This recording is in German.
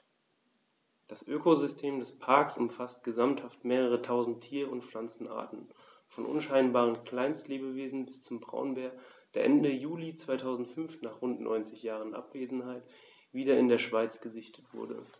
Das Ökosystem des Parks umfasst gesamthaft mehrere tausend Tier- und Pflanzenarten, von unscheinbaren Kleinstlebewesen bis zum Braunbär, der Ende Juli 2005, nach rund 90 Jahren Abwesenheit, wieder in der Schweiz gesichtet wurde.